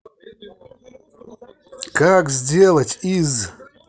как сделать из